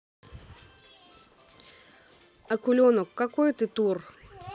акуленок какой ты тур